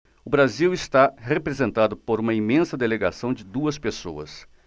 o brasil está representado por uma imensa delegação de duas pessoas